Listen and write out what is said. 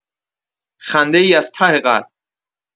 خنده‌ای از ته قلب